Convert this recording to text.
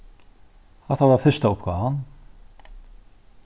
hatta var fyrsta uppgávan